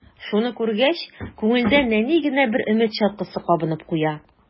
Шуны күргәч, күңелдә нәни генә бер өмет чаткысы кабынып куя.